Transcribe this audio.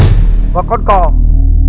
và con cò